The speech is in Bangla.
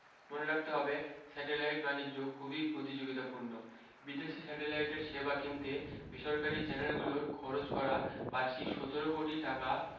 মনে রাখতে হবে স্যাটেলাইট বাণিজ্য খুবই প্রতিযোগিতাপূর্ণ বিদেশি স্যাটেলাইটের সেবা কিনতে বেসরকারি চ্যানেলগুলোর খরচ করা বার্ষিক ১৭ কোটি টাকা